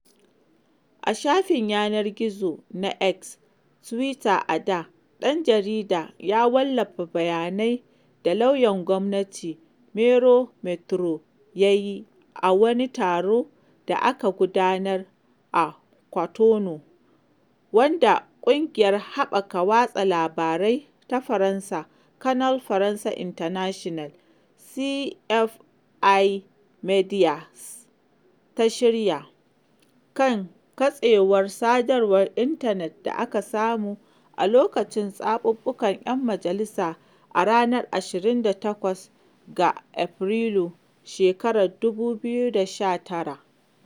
A shafin yanar gizo na X (Twitter a da), ɗan jarida ya wallafa bayanai da lauyan gwamnati, Mario Metonou, yayi a wani taron da aka gudanar a Kwatano, wanda ƙungiyar haɓaka watsa labarai ta Faransa, Canal France International (CFI Médias) ta shirya, kan katsewar sadarwar intanet da aka samu a lokacin zaɓukan 'yan majalisa a ranar 28 ga Afrilun shekarar 2019.